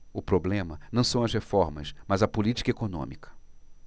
o problema não são as reformas mas a política econômica